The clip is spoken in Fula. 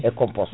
e composte